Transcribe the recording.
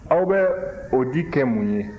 aw bɛ o di kɛ mun ye